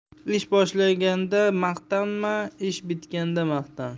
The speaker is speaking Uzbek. ish boshlaganda maqtanma ish bitganda maqtan